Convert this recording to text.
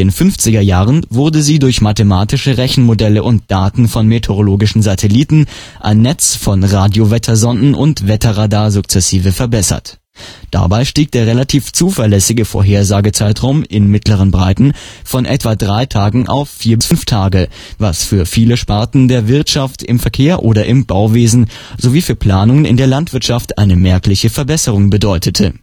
1950er Jahren wurde sie durch mathemathische Rechenmodelle und Daten von meteorologischen Satelliten, ein Netz von Radiowettersonden und Wetterradar sukzessive verbessert. Dabei stieg der relativ zuverlässige Vorhersagezeitraum in mittleren Breiten von etwa 3 Tagen auf 4-5 Tage, was für viele Sparten der Wirtschaft, im Verkehr oder im Bauwesen, sowie für Planungen in der Landwirtschaft eine merkliche Verbesserung bedeutete